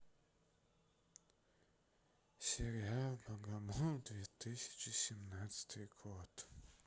сериал богомол две тысячи семнадцатый год